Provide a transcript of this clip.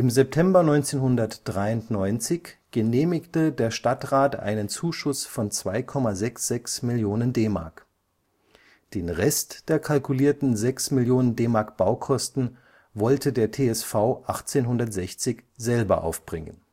September 1993 genehmigte der Stadtrat einen Zuschuss von 2,66 Millionen DM. Den Rest der kalkulierten sechs Millionen DM Baukosten wollte der TSV 1860 selber aufbringen